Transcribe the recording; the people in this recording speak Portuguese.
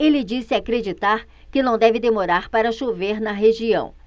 ele disse acreditar que não deve demorar para chover na região